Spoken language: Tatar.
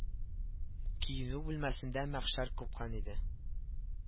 Киенү бүлмәсендә мәхшәр купкан иде